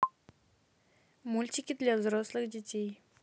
мультики для взрослых детей